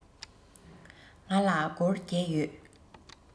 ང ལ སྒོར བརྒྱད ཡོད